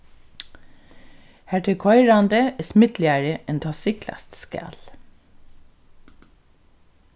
har tað er koyrandi er smidligari enn tá siglast skal